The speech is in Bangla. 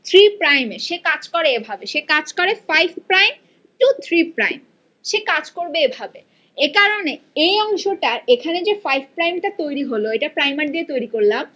থ্রি প্রাইম এসে কাজ করে এভাবে সে কাজ করে ফাইভ প্রাইম টু 3 প্রাইম সে কাজ করবে এভাবে এ কারণে এই অংশটা এখানে যে ফাইভ প্রাইম টা তৈরি হলো প্রাইমার দিয়ে তৈরি করলাম